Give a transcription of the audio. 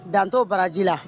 Dan t'o baraji la